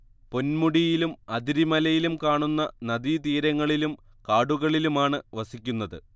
പൊന്മുടിയിലും അതിരിമലയിലും കാണുന്ന നദീതീരങ്ങളിലും കാടുകളിലുമാണ് വസിക്കുന്നത്